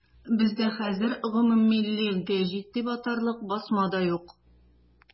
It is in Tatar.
Бездә хәзер гомуммилли гәҗит дип атарлык басма да юк.